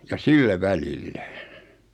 ja sillä välillä